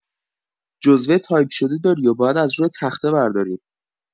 جزوه تایپ‌شده داری یا باید از روی تخته برداریم؟